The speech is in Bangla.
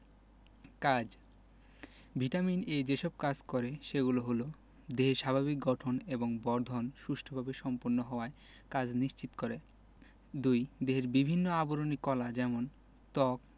কাজ ভিটামিন A যেসব কাজ করে সেগুলো হলো দেহের স্বাভাবিক গঠন এবং বর্ধন সুষ্ঠুভাবে সম্পন্ন হওয়ার কাজ নিশ্চিত করে ২. দেহের বিভিন্ন আবরণী কলা যেমন ত্বক